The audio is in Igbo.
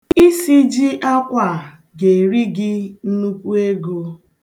Isiji akwa a ga-eri gị nnukwu ego.